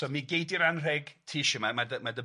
So mi gei di'r anrheg ti isio 'ma ma' dy- ma' dy-